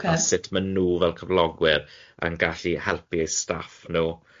a sut maen nhw fel cyflogwyr yn gallu helpu'u staff nhw